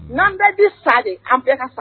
N'an bɛɛ di sa an bɛɛ ka sa